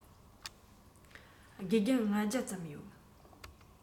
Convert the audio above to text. དགེ རྒན ༥༠༠ ཙམ ཡོད